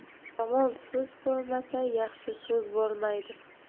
yomon so'z bo'lmasa yaxshi so'z bo'lmaydi